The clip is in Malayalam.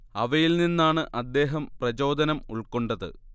അവയിൽ നിന്നാണ് അദ്ദേഹം പ്രചോദനം ഉൾക്കൊണ്ടത്